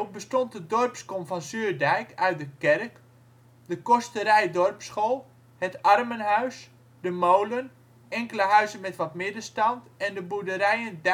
bestond de dorpskom van Zuurdijk uit de kerk, de kosterij-dorpschool, het armenhuis, de molen, enkele huizen met wat middenstand en de boerderijen Dijkstede